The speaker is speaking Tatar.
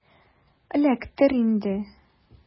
Эләктер инде!